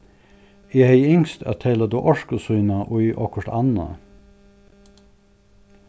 eg hevði ynskt at tey løgdu orku sína í okkurt annað